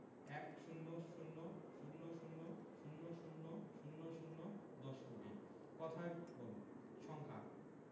১০০০০০০০০ দশ কোটি কথায় বলঃ সংখ্যাঃ